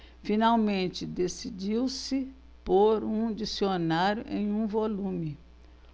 finalmente decidiu-se por um dicionário em um volume